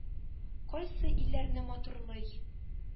Кайсы илләрне матурлый,